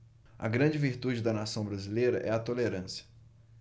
a grande virtude da nação brasileira é a tolerância